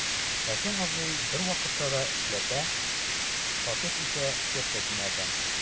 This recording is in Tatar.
Хәсән абзый бервакытта да эшләпә, Фатих исә кепка кимәде.